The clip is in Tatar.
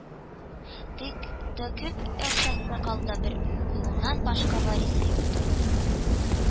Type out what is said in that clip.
Дык, күп акчасы калды, бер углыннан башка варисы юктыр»,